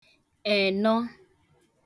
ẹ̀nọ